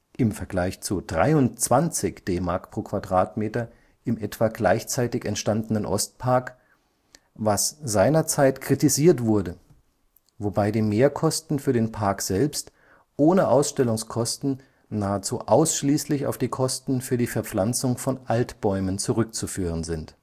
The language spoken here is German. im Vergleich zu 23 DM pro Quadratmeter im etwa gleichzeitig entstandenen Ostpark), was seinerzeit kritisiert wurde, wobei die Mehrkosten für den Park selbst, ohne Ausstellungskosten nahezu ausschließlich auf die Kosten für die Verpflanzung von Altbäumen zurückzuführen sind